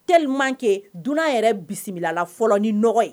Temankɛ dunan yɛrɛ bisimila la fɔlɔ ni nɔgɔya ye